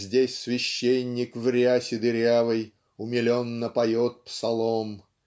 Здесь священник в рясе дырявой Умиленно поет псалом